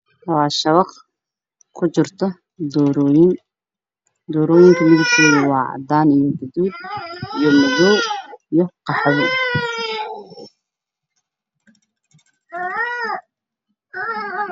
Waa shabaq ku jirto doorooyin doorooyinka midabkooda waa cadaan iyo gaduud iyo madow iyo qaxwi.